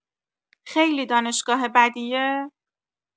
خیلی دانشگاه بدیه؟